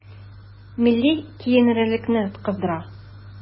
Милли киеренкелекне кыздыра.